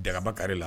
Dagabakari la